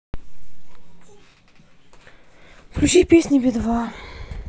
включи песни би два